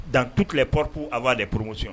Dan tu tile purku a b'aale purmusɔn